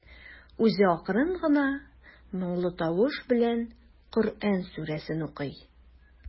Үзе акрын гына, моңлы тавыш белән Коръән сүрәсен укый.